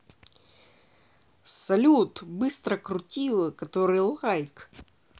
салют быстро крутила который лайк